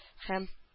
Һәм